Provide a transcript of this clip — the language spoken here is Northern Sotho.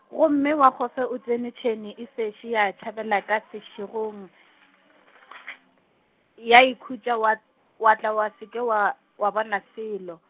gomme oa go fe o tsene tšhwene e sešo ya tšhabela ka sešegong , ya ikutiša wa, wa tla wa se ke wa, wa bona selo.